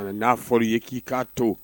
A n'a fɔra ye k'i ka to